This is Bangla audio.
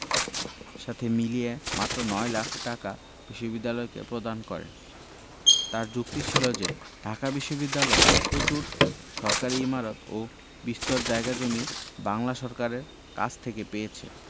সাথে মিলিয়ে মাত্র নয় লাখ টাকা বিশ্ববিদ্যালয়কে প্রদান করেন তাঁর যুক্তি ছিল যে ঢাকা বিশ্ববিদ্যালয় প্রচুর সরকারি ইমারত ও বিস্তর জায়গা জমি বাংলা সরকারের কাছ থেকে পেয়েছে